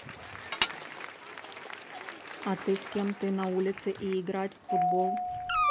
а ты с кем ты на улице и играть в футбол